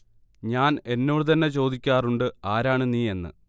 ഞാൻ എന്നോട് തന്നെ ചോദിക്കാറുണ്ട് ആരാണ് നീഎന്ന്